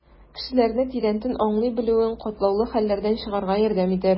Кешеләрне тирәнтен аңлый белүең катлаулы хәлләрдән чыгарга ярдәм итәр.